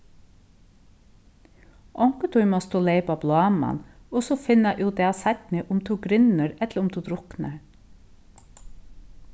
onkuntíð mást tú leypa á bláman og so finna út av seinni um tú grynnir ella um tú druknar